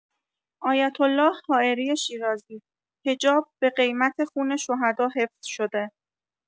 آیت‌الله حائری شیرازی: حجاب، به قیمت خون شهداء حفظ‌شده.